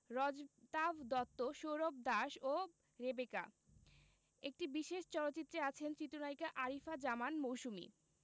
রজতাভ দত্ত সৌরভ দাস ও রেবেকা একটি বিশেষ চরিত্রে আছেন চিত্রনায়িকা আরিফা জামান মৌসুমী